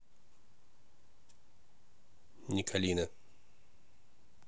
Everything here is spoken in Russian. николина